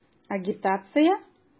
Агитация?!